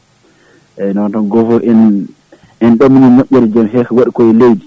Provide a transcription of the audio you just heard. eyyi noon tan goto foof en ene ɗamini moƴƴere he waɗiko leydi